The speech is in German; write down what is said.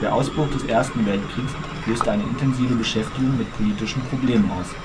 Der Ausbruch des Ersten Weltkrieges löste eine intensive Beschäftigung mit politischen Problemen aus.